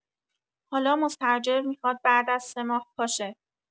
حالا مستاجر می‌خواد بعد از ۳ ماه پاشه.